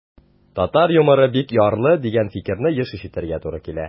Татар юморы бик ярлы, дигән фикерне еш ишетергә туры килә.